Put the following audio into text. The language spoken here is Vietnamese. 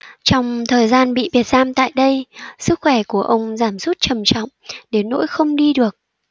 trong thời gian bị biệt giam tại đây sức khỏe của ông giảm sút trầm trọng đến nỗi không đi được